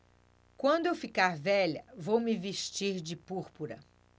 quando eu ficar velha vou me vestir de púrpura